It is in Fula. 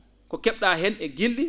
ko ke??aa heen e gil?i